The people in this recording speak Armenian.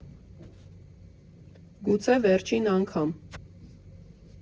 Գուցե վերջին անգամ։